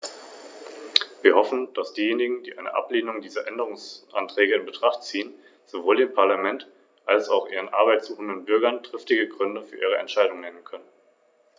Die Armut in Wales nimmt weiter zu, wobei sie seit 1997 besonders stark ansteigt.